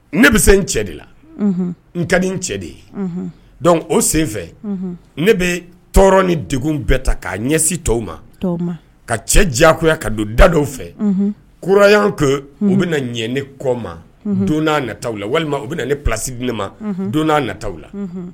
Ne bɛ se n cɛ de la n ka nin cɛ de ye dɔnku o senfɛ ne bɛ tɔɔrɔ ni degkun bɛɛ ta k'a ɲɛsin tɔw ma ka cɛ diyaya ka don da dɔw fɛ kuraya ko u bɛna na ɲɛ ne kɔ ma don natawwula walima u bɛ ne plasid ne ma don nataw la